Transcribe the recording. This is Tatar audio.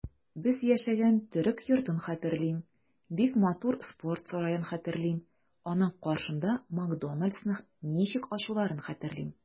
Без яшәгән төрек йортын хәтерлим, бик матур спорт сараен хәтерлим, аның каршында "Макдоналдс"ны ничек ачуларын хәтерлим.